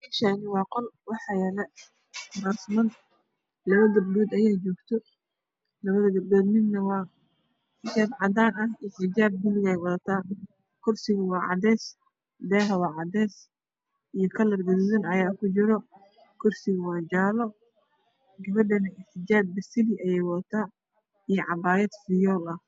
Meeshaani waa qol waxaa yaal kuraas lapa gabdhood ayaa jogto lapada gapdhood waa xjiaap puluug ayey wadataa kursigu waa cadees daaha waa cadees kalar guduudan ayaa kujiro kaursigu waa jalo gabadhan xijaap pasali ayey wataan iyo capaayad fiyool ah